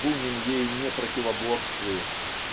Бунин ей не противоборствует